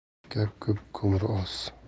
gap ko'p ko'mir oz